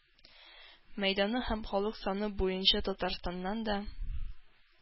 Мәйданы һәм халык саны буенча Татарстаннан да